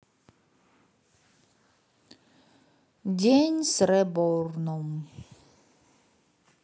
день с реборном